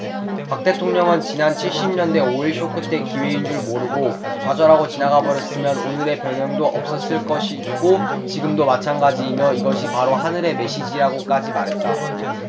박 대통령은 지난 칠십 년대 오일쇼크 때 기회인 줄 모르고 좌절하고 지나가버렸으면 오늘의 번영도 없었을 것이고 지금도 마찬가지이며 이것이 바로 하늘의 메시지라고까지 말했다